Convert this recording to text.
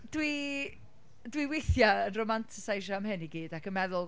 Dwi dwi weithiau yn romantyseisio am hyn i gyd ac yn meddwl...